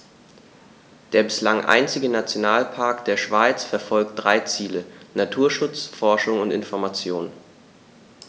Der bislang einzige Nationalpark der Schweiz verfolgt drei Ziele: Naturschutz, Forschung und Information.